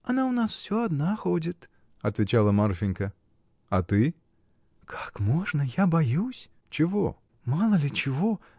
— Она у нас всё одна ходит, — отвечала Марфинька. — А ты? — Как можно: я боюсь. — Чего? — Мало ли чего!